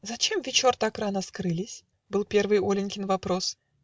"Зачем вечор так рано скрылись?" Был первый Оленькин вопрос.